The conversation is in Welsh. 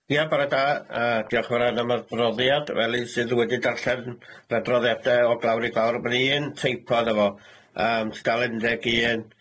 Ia, bore da, a diolch yn fawr iawn am yr adroddiad. Fel un sydd wedi darllen yr adroddiade o glawr i glawr, ma' 'ne un teipo arno fo, yym tudalen un deg un,